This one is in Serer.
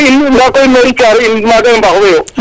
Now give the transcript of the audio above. nda koy mairie Thiare maga i mbaxwe yo